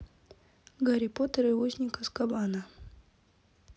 гарри поттер и узник азкабана